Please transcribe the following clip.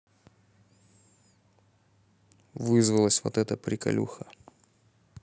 вызвалась вот эта приколюха